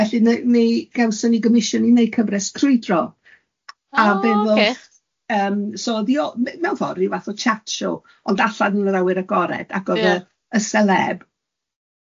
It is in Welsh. Felly na- ni gawson ni gomishwn i neud cyfres crwydro... Ocê... a fe ddoth yym so o'dd Io- m- mewn ffor ryw fath o chat show, ond allan yn yr awyr agored...Ia... ac o'dd y y seleb